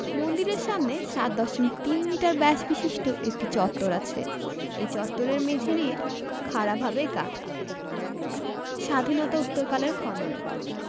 মন্দিরের সামনে ৭ দশমিক ৩ মিটার ব্যাস বিশিষ্ট একটি চত্বর আছে এই চত্বরের মেঝের ইট খাড়া ভাবে গাঁথা স্বাধীনতোত্তরকালের খনন